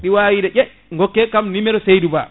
ɗi wawi wide ƴe gokke kam numéro Saydou Ba